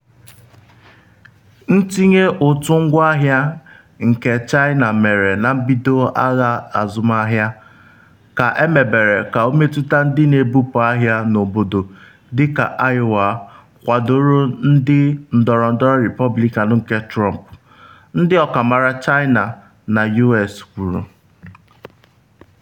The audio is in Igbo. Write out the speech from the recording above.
Ntinye ụtụ ngwahịa nke China mere na mbido agha azụmahịa ka emebere ka ọ metụta ndị na ebupu ahịa n’obodo dịka Iowa kwadoro otu ndọrọndọrọ Repọblikan nke Trump, ndị ọkammara China na U.S kwuru.